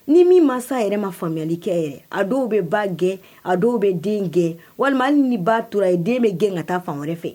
Ni min mansa yɛrɛ ma faamuyayali kɛ yɛrɛ a dɔw bɛ ba gɛn a dɔw bɛ den gɛn walima ni batura ye den bɛ gɛn ka taa fan wɛrɛ fɛ